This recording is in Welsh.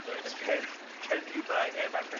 Reit. Ac er, cern hi bai ef Arthur.